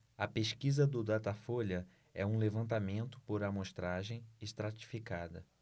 a pesquisa do datafolha é um levantamento por amostragem estratificada